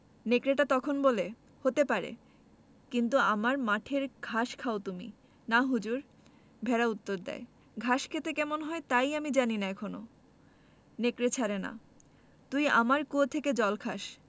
নেকড়েটা তখন বলে হতে পারে কিন্তু আমার মাঠের ঘাস খাও তুমি না হুজুর ভেড়া উত্তর দ্যায় ঘাস খেতে কেমন তাই আমি জানি না এখনো নেকড়ে ছাড়ে না তুই আমার কুয়ো থেকে জল খাস